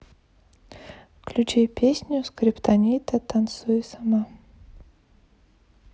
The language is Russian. включи песню скриптонита танцуй сама